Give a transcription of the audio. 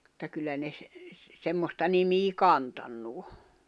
mutta kyllä ne - semmoista nimeä kantanut on